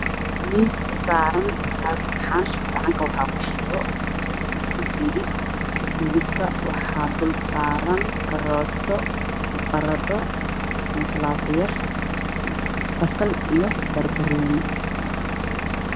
Miis saran saxan saxanka waxaa ku jiro xilibka waxaa saran karooto basal iyo bar barooni